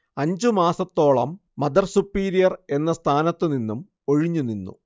അഞ്ച് മാസത്തോളം mother superior എന്ന സ്ഥാനത്തു നിന്നും ഒഴിഞ്ഞു നിന്നു